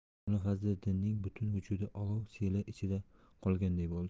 mulla fazliddinning butun vujudi olov seli ichida qolganday bo'ldi